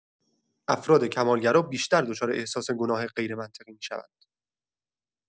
افراد کمال‌گرا بیشتر دچار احساس گناه غیرمنطقی می‌شوند.